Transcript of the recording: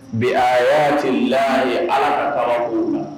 Bi a' tile la ye ala kɔnɔ ko